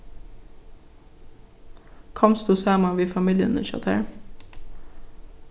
komst tú saman við familjuni hjá tær